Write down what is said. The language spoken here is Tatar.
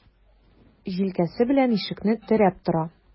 Җилкәсе белән ишекне терәп тора.